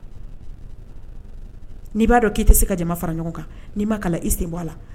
N'i b'a dɔn i tɛ se ka jama fara ɲɔgɔn kani ma i sen bɔ la